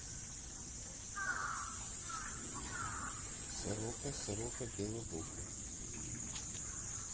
сорока сорока белобока